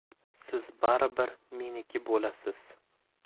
siz baribir meniki bo'lasiz